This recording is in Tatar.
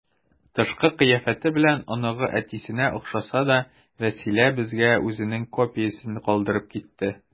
Тышкы кыяфәте белән оныгы әтисенә охшаса да, Вәсилә безгә үзенең копиясен калдырып китте.